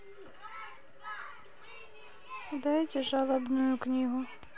дайте жалобную книгу фильм